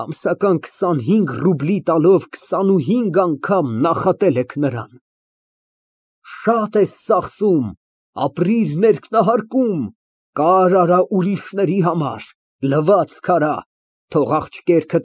Ամսական քսանհինգ ռուբլի տալով քսանհինգ անգամ նախատել եք նրան. «Շատ ես ծախսում, ապրիր ներքնահարկում, կար արա ուրիշների համար, լվացք արա, թող աղջիկներդ։